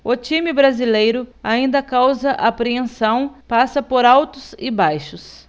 o time brasileiro ainda causa apreensão passa por altos e baixos